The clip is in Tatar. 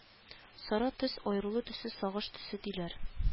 Сары төс аерылу төсе сагыш төсе диләр